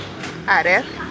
aareer